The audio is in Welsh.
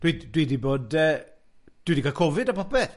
Dwi dwi di bod yy, dwi di cael Covid a popeth.